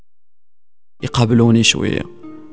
يقبلوني شويه